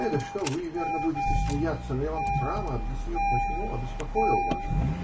-- Э, да что, вы, верно, будете смеяться, но я вам прамо объясню, почему обеспокоил вас.